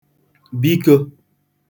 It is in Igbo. bikō